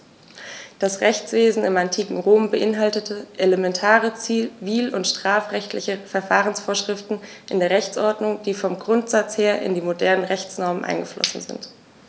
Das Rechtswesen im antiken Rom beinhaltete elementare zivil- und strafrechtliche Verfahrensvorschriften in der Rechtsordnung, die vom Grundsatz her in die modernen Rechtsnormen eingeflossen sind.